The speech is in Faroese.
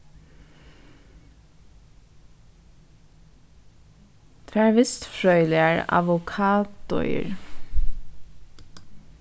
tvær vistfrøðiligar avokadoir